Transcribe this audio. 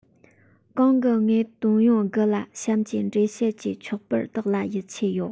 གོང གི དངོས དོན ཡོད དགུ ལ གཤམ གྱི འགྲེལ བཤད ཀྱིས ཆོག པར བདག ལ ཡིད ཆེས ཡོད